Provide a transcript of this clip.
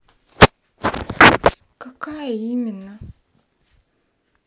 какая именно